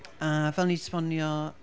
A fel o'n i 'di esbonio...